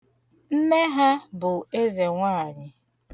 Nne ha bụ ezenwaanyị.